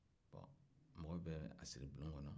ɔ mɔgɔw bɛ a siri bulon kɔnɔ